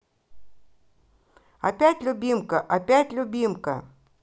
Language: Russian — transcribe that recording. опять любимка опять любимка